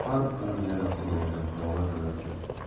yana xudoga nola qilarkan